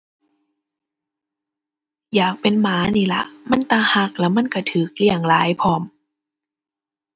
อยากเป็นหมานี่ล่ะ มันตารัก แล้วมันรักรักเลี้ยงหลายพร้อม